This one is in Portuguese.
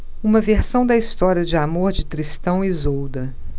uma versão da história de amor de tristão e isolda